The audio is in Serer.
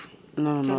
non non